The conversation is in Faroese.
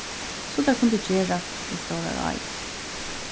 so teir kundu gerast til stórar áir